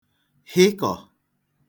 hịkọ̀